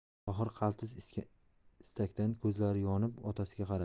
tohir qaltis istakdan ko'zlari yonib otasiga qaradi